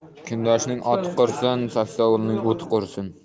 kundoshning oti qursin saksovulning o'ti qursin